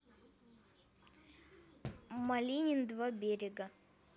малинин два берега